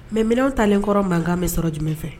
Mɛ minɛnw talenkɔrɔ mankankan bɛ sɔrɔ jumɛn fɛ